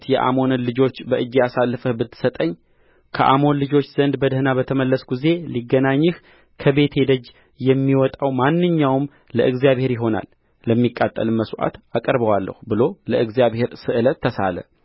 የአሞንን ልጆች በእጄ አሳልፈህ ብትሰጠኝ ከአሞን ልጆች ዘንድ በደኅና በተመለስሁ ጊዜ ሊገናኘኝ ከቤቴ ደጅ የሚወጣው ማንኛውም ለእግዚአብሔር ይሆናል ለሚቃጠልም መሥዋዕት አቀርበዋለሁ ብሎ ለእግዚአብሔር ስእለት ተሳለ